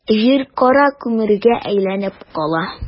Җир кара күмергә әйләнеп кала.